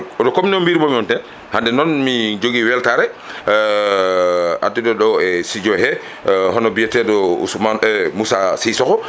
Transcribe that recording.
oto comme no mbirunomi on tan hande noon mi jogui weltare addude ɗo e studio he hono bityeteɗo ousmane Moussa Cissokho